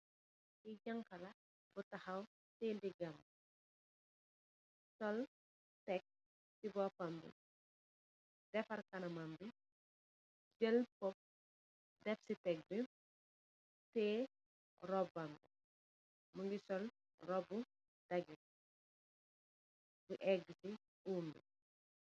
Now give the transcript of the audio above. Kee janha bu tahaw teyeh degam be sol tek se bopam be defarr kanamam be jel puff defse tek be teyeh roubam be muge sol roubu dagete bu egeh se oum be.